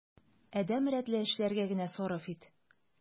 Адәм рәтле эшләргә генә сарыф ит.